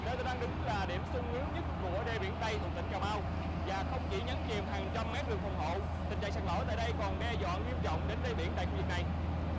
nơi tôi đang đứng là điểm xung yếu nhất của đê biển tây thuộc tỉnh cà mau và không chỉ nhấn chìm hàng trăm mét rừng phòng hộ tình trạng sạt lở tại đây còn đe dọa nghiêm trọng đến đáy biển tại khu vực này